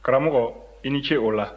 karamɔgɔ i ni ce o la